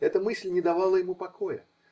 Эта мысль не давала ему покоя.